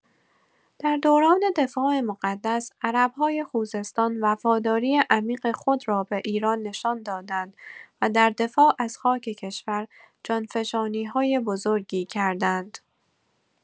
در دوران دفاع مقدس، عرب‌های خوزستان وفاداری عمیق خود را به ایران نشان دادند و در دفاع از خاک کشور جانفشانی‌های بزرگی کردند.